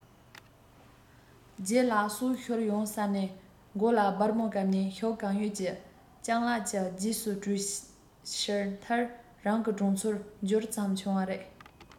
ལྗད ལགས སྲོག ཤོར ཡོང བསམ ནས མགོ ལ སྦར མོ བཀབ ནས ཤུགས གང ཡོད ཀྱིས སྤྱང ལགས ཀྱི རྗེས སུ བྲོས ཕྱིན མཐར རང གི གྲོང ཚོར འབྱོར ཙམ བྱུང བ རེད